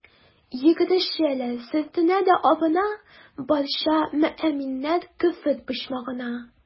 Йөгерешәләр, сөртенә дә абына, барча мөэминнәр «Көфер почмагы»на.